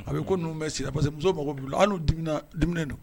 A be ko ninnu mɛ senna parce que musow mago b'u la hal n'u dimina diminen don